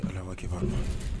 Ala k''